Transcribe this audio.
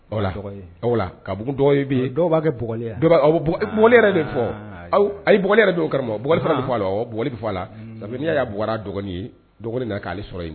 Voila, voilà Ka bugu dɔgɔ ye bi ye, dɔw b'a kɛ bugɔli ye. Bugɔli yɛrɛ de bɛ fɔ, ayi bugɔli yɛrɛ don karamɔgɔ .Bugɔli fana bɛ fɔ a la, awɔ, bugɔli bɛ fɔ a la. ça fait ni y'a ye a bugɔla a dɔgɔnin ye dɔgɔnin nana k'ale sɔrɔ yen.